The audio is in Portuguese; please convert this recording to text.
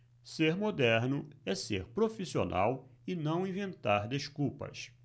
ser moderno é ser profissional e não inventar desculpas